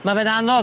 Ma' fe'n anodd...